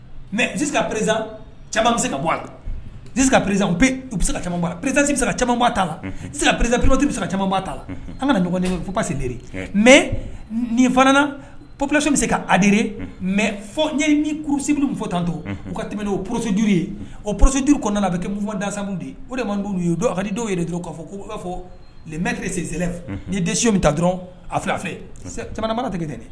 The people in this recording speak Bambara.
Mɛse ka perez c bɛ se ka bɔ a lase ka perezse ka predsi se ka caman la sisan prezd pereoroti se caba ta la an ka na ɲɔgɔnin fosere mɛ nin fana na pplasi bɛ se ka adre mɛ fɔ ɲɛ ni kurusibi min fɔ tanto u ka tɛmɛ o porosi duuruuru ye o posi duuruuru kɔnɔna a bɛ kɛdsa de ye o de man duuru ye dondi dɔw yɛrɛ dɔrɔn k'a fɔ ko'a fɔ mɛtire senlɛ ni denmusose bɛ taa dɔrɔn afi filɛ jamanabana tigɛ tɛ dɛ